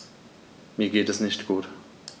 Mir geht es nicht gut.